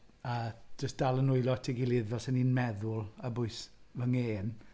A jyst dal fy nwylo at ei gilydd fel 'se ni'n meddwl ar bwys fy ngen...